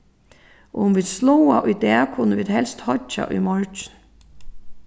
um vit sláa í dag kunnu vit helst hoyggja í morgin